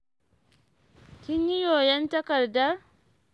Kin yi yoyon takardar?